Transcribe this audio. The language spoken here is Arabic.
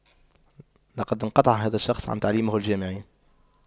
لقد انقطع هذا الشخص عن تعليمه الجامعي